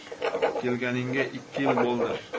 kelganingga ikki yil bo'ldi